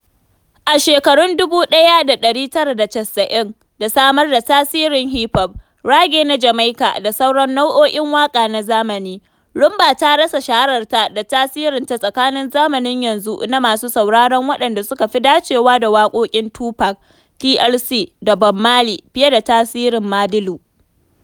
A shekarun 1990s, da samuwar tasirin hip-hop, reggae na Jamaica, da sauran nau’o’in waƙa na zamani, Rhumba ta rasa shahararta da tasirinta tsakanin zamanin yanzu na masu sauraro waɗanda suka fi dacewa da waƙoƙin Tupac, TLC, da Bob Marley fiye da tsarin Madilu.